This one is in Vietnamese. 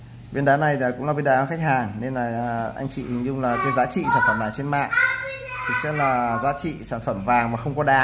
viên đá này là viên đá của khách hàng anh chị hình dung giá trị sản phẩm này trên mạng sẽ là sản phẩm vàng mà không có đá